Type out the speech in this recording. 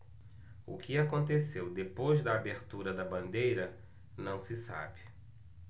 o que aconteceu depois da abertura da bandeira não se sabe